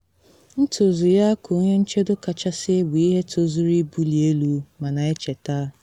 Ntozu ya ka Onye Nchedo Kachasị bụ ihe tozuru ibuli elu ma na echeta.”